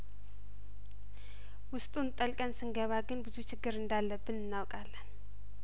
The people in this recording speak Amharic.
ውስጡን ጠልቀን ስንገባ ግን ብዙ ችግር እንዳለብን እናውቃለን